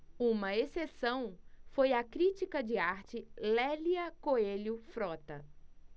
uma exceção foi a crítica de arte lélia coelho frota